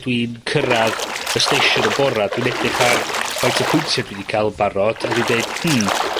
dwi'n cyrradd y station yn bora, dwi'n edrych ar faint o pwyntia' dwi 'di ca'l yn barod a dwi'n deud hmm.